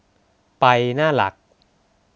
ไปหน้าหลัก